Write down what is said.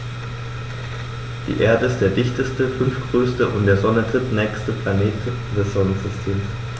Die Erde ist der dichteste, fünftgrößte und der Sonne drittnächste Planet des Sonnensystems.